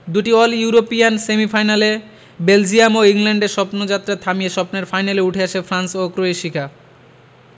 দুটি all European সেমিফাইনালে Belgium ও ইংল্যান্ডের স্বপ্নযাত্রা থামিয়ে স্বপ্নের ফাইনালে উঠে আসে ফ্রান্স ও ক্রোয়েশিকা